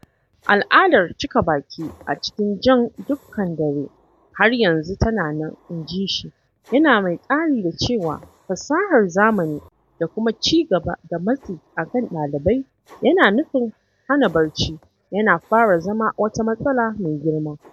Al’adar cika baki a cikin ‘jan dukkan dare’ har yanzu tana nan, inji shi, yana mai ƙari da cewa fasahar zamani da kuma ci gaba da matsi a kan ɗalibai yana nufin hana barci yana fara zama wata matsala mai girma.